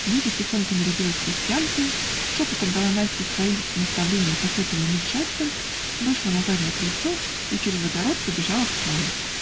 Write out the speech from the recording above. Лиза тихонько нарядилась крестьянкою, шепотом дала Насте свои наставления касательно мисс Жаксон, вышла на заднее крыльцо и через огород побежала в поле.